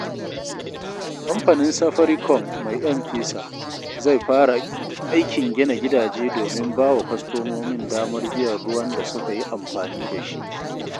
Kamfanin Safaricom mai M-Pesa zai fara aikin gina gidaje domin ba wa kwastomin damar biyan ruwan da suka yi amfani da shi.